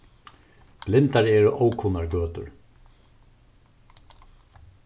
blindar eru ókunnar gøtur